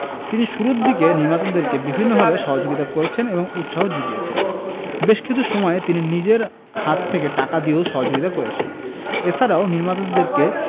তিনি শুরুর দিকে নির্মাতাদেরকে বিভিন্নভাবে সহযোগিতা করেছেন এবং উৎসাহ যুগিয়েছেন বেশ কিছু সময়ে তিনি নিজের হাত থেকে টাকা দিয়েও সহযোগিতা করেছেন এছাড়াও নির্মাতাদেরকে